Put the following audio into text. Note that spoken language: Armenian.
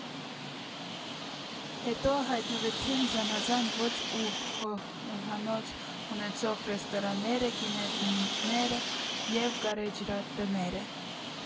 Հետո հայտնվեցին զանազան ոճ ու խոհանոց ունեցող ռեստորանները, գինետները և գարեջրատները։